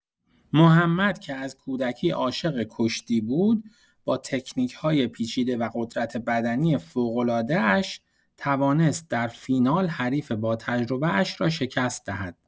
محمد که از کودکی عاشق کشتی بود، با تکنیک‌های پیچیده و قدرت‌بدنی فوق‌العاده‌اش، توانست در فینال حریف باتجربه‌اش را شکست دهد.